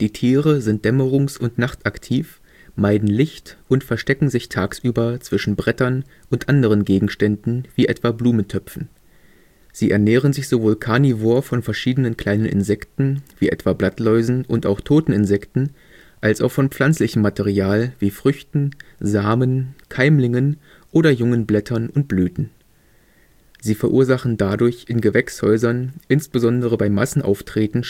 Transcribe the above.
Tiere sind dämmerungs - und nachtaktiv, meiden Licht und verstecken sich tagsüber zwischen Brettern und anderen Gegenständen, wie etwa Blumentöpfen. Sie ernähren sich sowohl karnivor von verschiedenen kleinen Insekten, wie etwa Blattläusen und auch toten Insekten, als auch von pflanzlichem Material wie Früchten, Samen, Keimlingen oder jungen Blättern und Blüten. Sie verursachen dadurch in Gewächshäusern insbesondere bei Massenauftreten